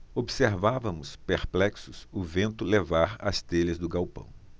observávamos perplexos o vento levar as telhas do galpão